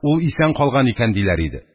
Ул исән калган икән», – диләр иде.